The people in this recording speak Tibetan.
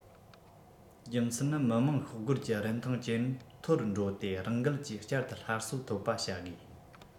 རྒྱུ མཚན ནི མི དམངས ཤོག སྒོར གྱི རིན ཐང ཇེ མཐོར འགྲོ ཏེ རང འགུལ གྱིས བསྐྱར དུ སླར གསོ ཐོབ པ བྱེད དགོས